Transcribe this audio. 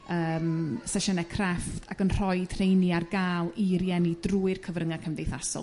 yrm sesiyne crefft ac yn rhoid rheini ar ga'l i rieni drwy'r cyfrynge cymdeithasol.